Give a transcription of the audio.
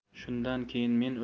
shundan keyin men